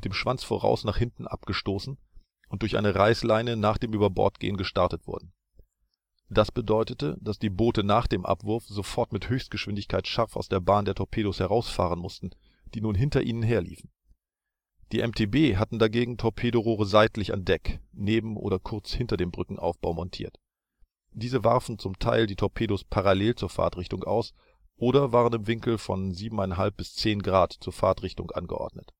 Schwanz voraus nach hinten abgestoßen und durch eine Reißleine nach dem Überbordgehen gestartet wurden. Das bedeutete, dass die Boote nach dem Abwurf sofort mit Höchstgeschwindigkeit scharf aus der Bahn der Torpedos herausfahren mussten, die nun hinter ihnen herliefen. Die MTB hatten dagegen Torpedorohre seitlich an Deck neben oder kurz hinter den Brückenaufbauten montiert. Diese warfen zum Teil die Torpedos parallel zur Fahrtrichtung aus, oder waren in Winkeln von 7,5°-10° zur Fahrtrichtung angeordnet